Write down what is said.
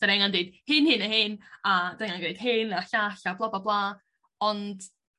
'di rheina'n deud hyn hyn a hyn a 'di reina'n gweud hyn a'r llall a bla bla bla ond